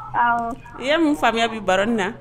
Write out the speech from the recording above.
Ɔ i ye min faamuyaya bɛ baroni na